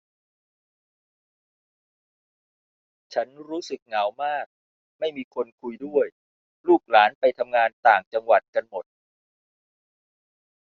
ฉันรู้สึกเหงามากไม่มีคนคุยด้วยลูกหลานไปทำงานต่างจังหวัดกันหมด